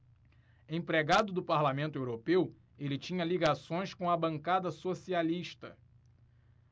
empregado do parlamento europeu ele tinha ligações com a bancada socialista